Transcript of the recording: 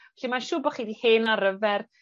'Lly mae siŵr bo' chi 'di hen arfer